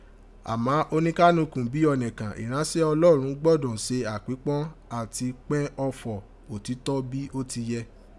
Àmá, ọnẹkánukù bí ọnẹ̀kàn, iransẹ Olorọn gbọdọ se apípọn ati “pẹ́n ọfọ̀ otítọ́ bi ó ti yẹ